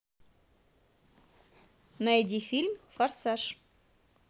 найди фильм форсаж